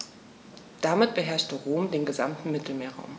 Damit beherrschte Rom den gesamten Mittelmeerraum.